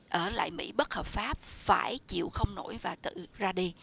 ở lại mỹ bất hợp pháp phải chịu không nổi và tự ra đi